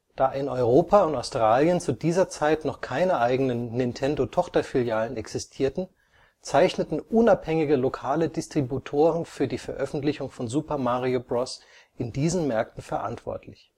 Da in Europa und Australien zu dieser Zeit noch keine eigenen Nintendo-Tochterfilialen existierte, zeichneten unabhängige lokale Distributoren für die Veröffentlichung von Super Mario Bros. in diesen Märkten verantwortlich